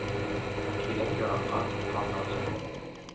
Кирәк-яракка тотканнан соң,